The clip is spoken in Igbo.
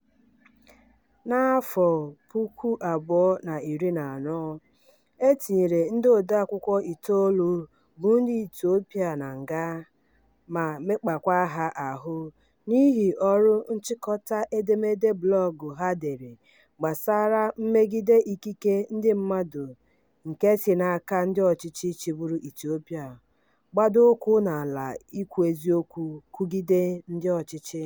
N'afọ 2014, e tinyere ndị odeakwụkwọ itoolu bụ ndị Ethiopia na nga ma mekpaa ha ahụ n'ihi ọrụ nchịkọta edemede blọọgụ ha dere gbasara mmegide ikike ndị mmadụ nke si n'aka ndị ọchịchị chịburu Ethiopia, gbado ụkwụ n'ala ikwu eziokwu kwugide ndị ọchịchị.